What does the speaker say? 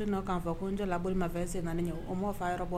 N tɛ la bolo ma fɛ sen o'o yɔrɔ